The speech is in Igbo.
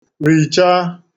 rìcha